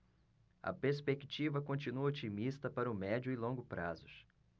a perspectiva continua otimista para o médio e longo prazos